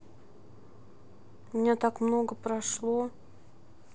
у меня так много прошло